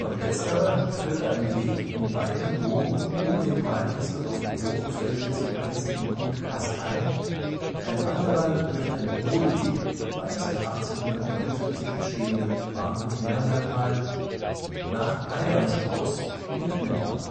letzterer führte ein Weg in weitem Bogen um den Talkessel auf die Hochfläche zum einstigen Gut Kastein, ein anderer durch einen Hohlweg (beim seit 1879 bestehenden Bahnhof Neanderthal) nach Eidamshaus und Mettmann